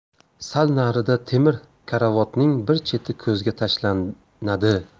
sal narida temir karavotning bir cheti ko'zga tashlanadi